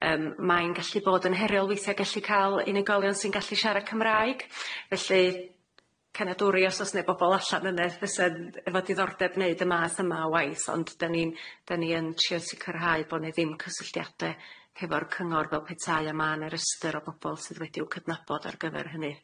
yym mae'n gallu bod yn heriol weithia' gellu cal unigolion sy'n gallu siarad Cymraeg felly caniadwri os o's ne' bobol allan yne fysa'n efo diddordeb neud y math yma o waith ond dan ni'n- dan ni yn trio sicrhau bo' ne' ddim cysylltiade hefo'r cyngor fel petai a ma'na restyr o bobol sydd wedi'w cydnabod ar gyfer hynny.